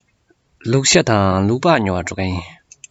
ལུག ཤ དང ལུག ལྤགས ཉོ བར འགྲོ གི ཡིན